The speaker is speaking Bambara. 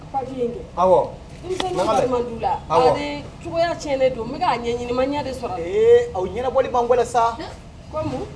La cogoyaya tiɲɛ don ne' ɲɛmaya de sɔrɔ ee aw ɲɛnabɔliban sa